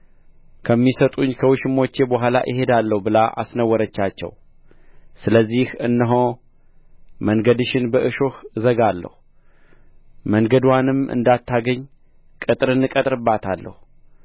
ከሚሰጡኝ ከውሽሞቼ በኋላ እሄዳለሁ ብላ አስነወረቻቸው ስለዚህ እነሆ መንገድሽን በእሾህ እዘጋለሁ መንገድዋንም እንዳታገኝ ቅጥርን እቀጥርባታለሁ